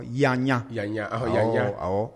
Yaaanɲa yaa yaan